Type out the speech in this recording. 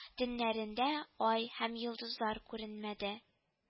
Төннәрендә ай һәм йолдызлар күренмәде